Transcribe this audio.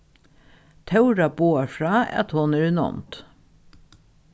tóra boðar frá at hon er í nánd